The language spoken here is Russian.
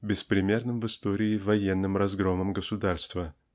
беспримерным в истории военным разгромом государства.